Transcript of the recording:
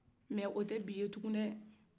mɛ o tɛ bi ye tugun dɛɛ